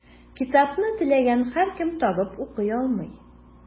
Китапны теләгән һәркем табып укый алмый.